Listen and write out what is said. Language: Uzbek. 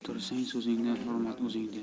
tursang so'zingda hurmat o'zingda